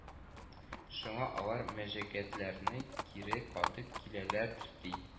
Шуңа алар мөҗәгатьләрне кире кагып киләләрдер ди